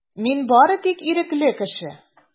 Мин бары тик ирекле кеше.